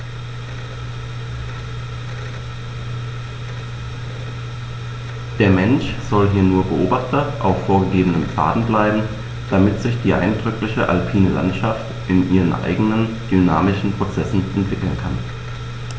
Der Mensch soll hier nur Beobachter auf vorgegebenen Pfaden bleiben, damit sich die eindrückliche alpine Landschaft in ihren eigenen dynamischen Prozessen entwickeln kann.